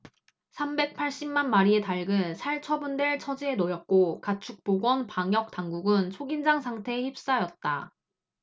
삼백 팔십 만 마리의 닭은 살처분될 처지에 놓였고 가축보건 방역당국은 초긴장 상태에 휩싸였다